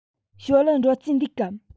ཞའོ ལིའི འགྲོ རྩིས འདུག གམ